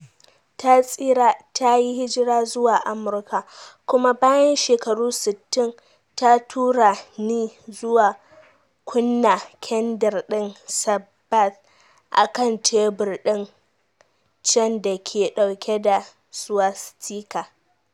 Ta tsira, ta yi hijira zuwa Amurka, kuma bayan shekaru 60, ta tura ni zuwa kunna kendir din sabbath a kan tebur din can da ke dauke da swastika.